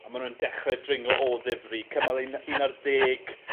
A ma' nw'n dechre dringo o ddifri cyml un a- un ar ddeg